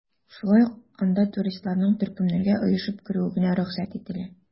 Шулай ук анда туристларның төркемнәргә оешып керүе генә рөхсәт ителә.